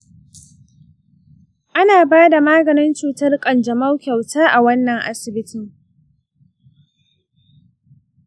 ana ba da maganin cutar kanjamau kyauta a wannan asibiti.